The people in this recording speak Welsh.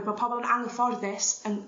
...ma' pobol yn angyfforddus yn